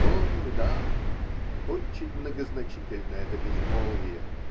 О, да, очень многозначительно это безмолвие.